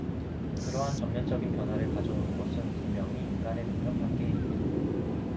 그러한 전면적인 변화를 가져오는 것은 분명히 인간의 능력 밖의 일입니다